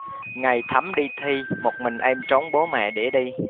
ngày thắm đi thi một mình em trốn bố mẹ để đi